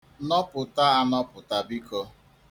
Nọpụta anọpụta biko.